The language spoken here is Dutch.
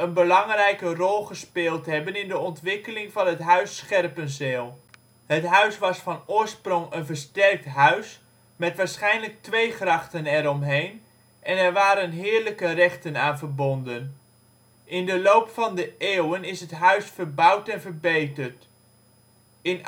belangrijke rol gespeeld hebben in de ontwikkeling van het ‘Huis Scherpenzeel’. Het huis was van oorsprong een versterkt huis met waarschijnlijk twee grachten eromheen, en er waren ' heerlijke rechten ' aan verbonden. In de loop van de eeuwen is het huis verbouwd en verbeterd. In